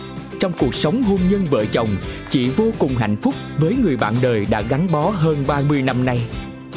trong cuộc sống hôn nhân vợ chồng chị vô cùng hạnh phúc với người bạn đời đã gắn bó hơn ba mươi năm nay